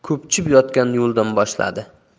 ko'pchib yotgan yo'ldan boshladi